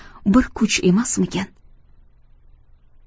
kuch emasmikin